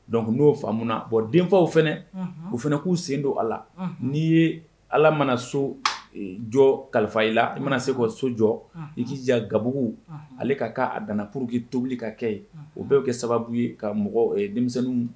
Donckun n'o faamumu na bɔn denfaw fana u fana k'u sen don a la n'i ye ala mana so jɔ kalifa i la i mana se ka so jɔ i k'i jan gabugu ale ka' a danana purki tobili ka kɛ ye o bɛɛ kɛ sababu ye ka mɔgɔ denmisɛnnin